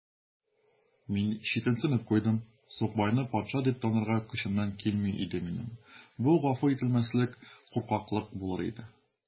Мин читенсенеп куйдым: сукбайны патша дип танырга көчемнән килми иде минем: бу гафу ителмәслек куркаклык булыр иде.